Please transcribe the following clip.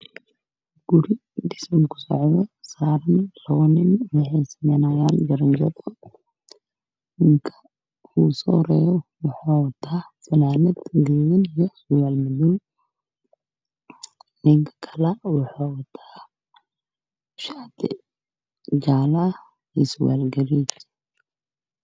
Halkaan waxaa ka muuqdo guri dabaq ah oo dhismo ka socdo biro shub iyo alwaax niman ay saaran yihiin